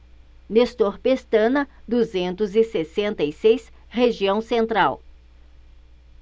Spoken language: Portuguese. nestor pestana duzentos e sessenta e seis região central